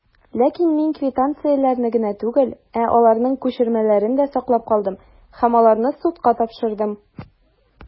Ләкин мин квитанцияләрне генә түгел, ә аларның күчермәләрен дә саклап калдым, һәм аларны судка тапшырдым.